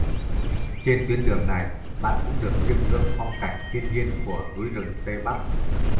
trên tuyến đường này bạn cũng được chiêm ngưỡng phong cảnh thiên nhiên của núi rừng tây bắc